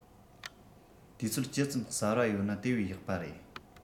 དུས ཚོད ཇི ཙམ གསར བ ཡོད ན དེ བས ཡག པ རེད